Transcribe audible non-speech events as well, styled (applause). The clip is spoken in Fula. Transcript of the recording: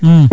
(smacks lips)